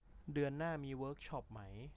เดือนหน้ามีเวิคช็อปมั้ย